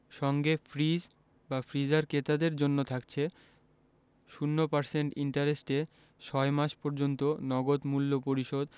সঙ্গে fridge freezer ক্রেতাদের জন্য থাকছে ০% ইন্টারেস্টে ৬ মাস পর্যন্ত নগদ মূল্য পরিশোধ